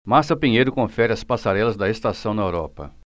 márcia pinheiro confere as passarelas da estação na europa